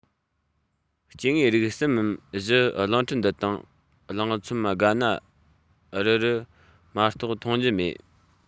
སྐྱེ དངོས རིགས གསུམ མམ བཞི གླིང ཕྲན འདི དང གླིང ཚོམ སྒ ན རི རུ མ གཏོགས མཐོང རྒྱུ མེད